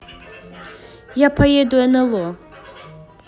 я поеду нло